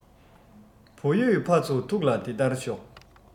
བུ ཡོད ཕ ཚོ ཐུགས ལ དེ ལྟར ཞོག